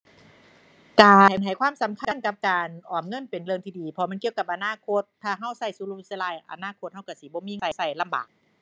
การให้ความสำคัญกับการ ออกเงินเป็นเรื่องที่ดีเพราะมันเกี่ยวกับอนาคต ถ้าเราเราสุรุ่ยสุร่ายอนาคตเราเราสิบ่มีไว้เราลำบาก